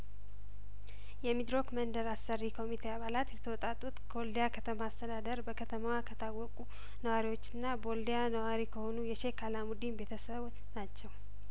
የሚድሮክ መንደር አሰሪ ኮሚቴ አባላት የተውጣጡት ከወልዲያ ከተማ አስተዳደር በከተማዋ ከታወቁ ነዋሪዎችና በወልዲያ ነዋሪ ከሆኑ የሼክ አላሙዲን ቤተሰብ ናቸው